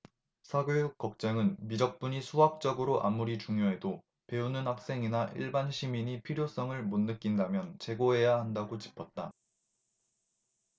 사교육걱정은 미적분이 수학적으로 아무리 중요해도 배우는 학생이나 일반 시민이 필요성을 못 느낀다면 재고해야 한다고 짚었다